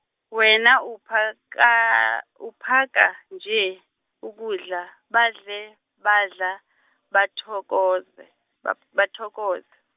wena uphaka uphaka, nje, ukudla, badle badla, bathokoze bathokoze.